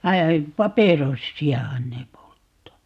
vaan paperossiahan ne polttaa